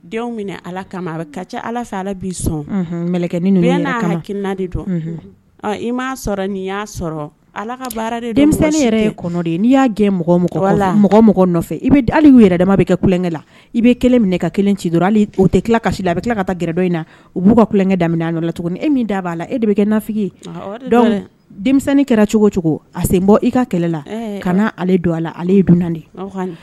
Ala kama a bɛ ka ala fɛ ala bi sɔnkɛ dɔn n'i y'a kɛ mɔgɔ mɔgɔ mɔgɔ nɔfɛ yɛrɛ bɛ kɛ kukɛ la i bɛ kelen minɛ ka kelen ci o tɛ tila ka la a bɛ tila ka taaɛrɛ dɔ in na b'u ka kukɛ daminɛ a la tuguni e min da b'a la e de bɛ kɛ nafi denmisɛnninni kɛra cogo cogo a sen bɔ i ka kɛlɛ la ka ale don a ye dunan de